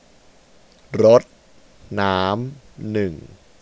รดน้ำหนึ่ง